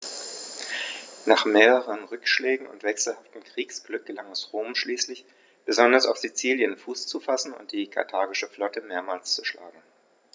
Nach mehreren Rückschlägen und wechselhaftem Kriegsglück gelang es Rom schließlich, besonders auf Sizilien Fuß zu fassen und die karthagische Flotte mehrmals zu schlagen.